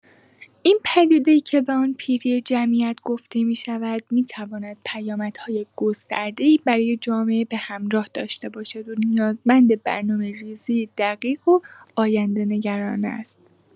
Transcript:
این پدیده که به آن «پیری جمعیت» گفته می‌شود، می‌تواند پیامدهای گسترده‌ای برای جامعه به همراه داشته باشد و نیازمند برنامه‌ریزی دقیق و آینده‌نگرانه است.